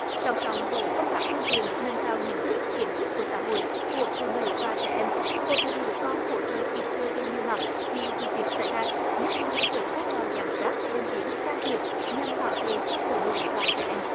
song song với công tác tuyên truyền nâng cao nhận thức kiến thức của xã hội của phụ nữ và trẻ em hội phụ nữ còn hỗ trợ kịp thời về nhiều mặt khi vụ việc xảy ra nhất là làm tốt vai trò giám sát lên tiếng can thiệp nhằm bảo vệ cho phụ nữ và trẻ em